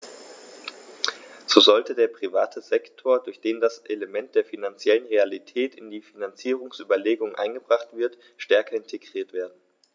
So sollte der private Sektor, durch den das Element der finanziellen Realität in die Finanzierungsüberlegungen eingebracht wird, stärker integriert werden.